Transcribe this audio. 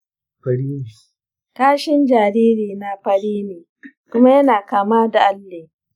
kashin jaririna fari ne kuma yana kama da alli.